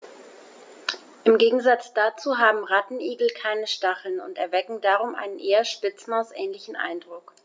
Im Gegensatz dazu haben Rattenigel keine Stacheln und erwecken darum einen eher Spitzmaus-ähnlichen Eindruck.